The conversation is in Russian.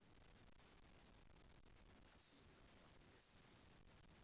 афина поприветствуй меня